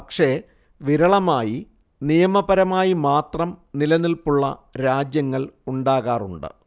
പക്ഷേ വിരളമായി നിയമപരമായി മാത്രം നിലനിൽപ്പുള്ള രാജ്യങ്ങൾ ഉണ്ടാകാറുണ്ട്